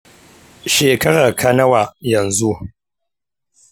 shekarar ka nawa yanzu